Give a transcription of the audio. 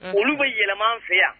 Olu bɛ yɛlɛma fɛ yan